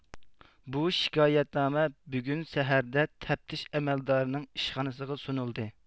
بۇ شىكايەتنامە بۈگۈن سەھەردە تەپتىش ئەمەلدارىنىڭ ئىشخانىسىغا سۇنۇلدى